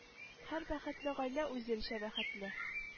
Һәр бәхетле гаилә үзенчә бәхетле